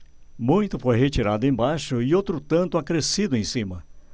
muito foi retirado embaixo e outro tanto acrescido em cima